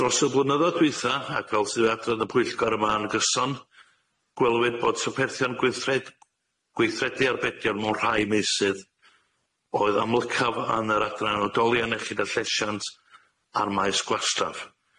Dros y blynyddoedd dwytha, ac fel sydd wedi adrodd pwyllgor yma yn gyson, gwelwyd bod syrperthion gweithred- gweithredu arbedion mewn rhai meysydd oedd amlycaf yn yr adran oedolion iechyd a llesiant a maes gwastraff.